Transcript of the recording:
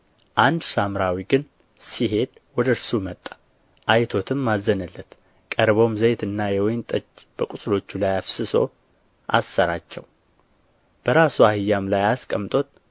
አንድ ሳምራዊ ግን ሲሄድ ወደ እርሱ መጣ አይቶትም አዘነለት ቀርቦም ዘይትና የወይን ጠጅ በቍስሎቹ ላይ አፍስሶ አሰራቸው በራሱ አህያም ላይ አስቀምጦት